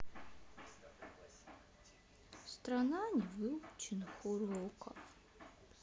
страна невыученных уроков